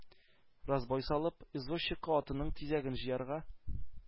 Разбой салып, извозчикка атының тизәген җыярга,